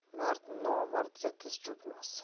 mard nomardga tiz cho'kmas